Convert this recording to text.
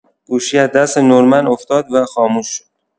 گوشی از دست نورمن افتاد و خاموش شد.